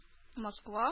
Москва